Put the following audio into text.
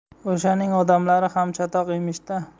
o'shaning odamlari ham chatoq emish da